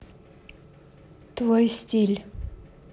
твой стиль